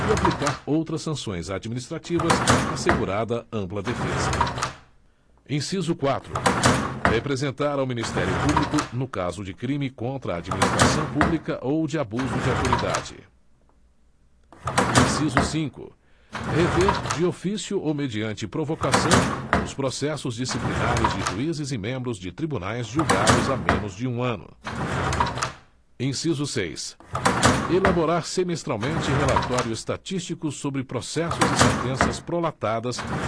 e aplicar outras sanções administrativas assegurada ampla defesa inciso quatro representar ao ministério público no caso de crime contra a administração pública ou de abuso de autoridade inciso cinco rever de ofício ou mediante provocação os processos disciplinares de juízes e membros de tribunais julgados há menos de um ano inciso seis elaborar semestralmente relatório estatístico sobre processos e sentenças prolatadas